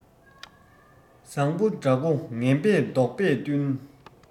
བཟང པོ དགྲ མགོ ངན པས བཟློག པས བསྟུན